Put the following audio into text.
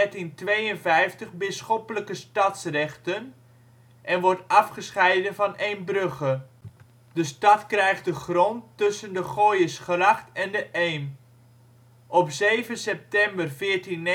in 1352 bisschoppelijke stadsrechten en wordt afgescheiden van Eembrugge. De stad krijgt de grond tussen de Gooiergracht en de Eem. Op 7 september 1439